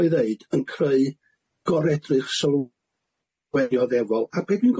ca'l i ddeud yn creu goredrych sylw gwernioddefol a be' dwi'n